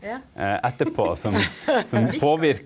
ja .